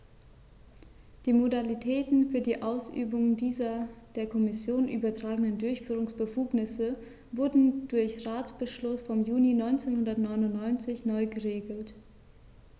Die Modalitäten für die Ausübung dieser der Kommission übertragenen Durchführungsbefugnisse wurden durch Ratsbeschluss vom Juni 1999 neu geregelt.